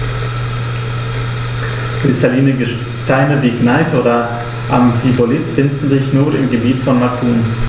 Kristalline Gesteine wie Gneis oder Amphibolit finden sich nur im Gebiet von Macun.